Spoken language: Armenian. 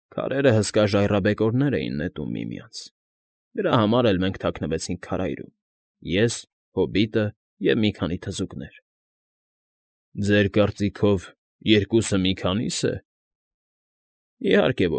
Քարե հսկաները ժայռաբեկորներ էին նետում միմյանց, դրա համար էլ մենք թաքնվեցինք քարայրում՝ ես, հոբիտը և մի քանի թզուկներ… ֊ Ձեր կարծիքով երկուսը մի քանի՞ս է… ֊ Իհարկե։